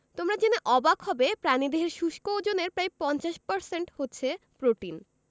তোমরা জেনে অবাক হবে প্রাণীদেহের শুষ্ক ওজনের প্রায় ৫০% হচ্ছে প্রোটিন